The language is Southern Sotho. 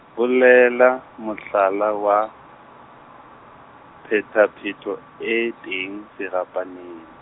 bolela, mohlala wa, phetapheto e teng serapaneng.